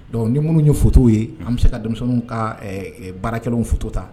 Dɔnku ni minnu ye fu ye an bɛ se ka denmisɛnnin ka baarakɛ fu ta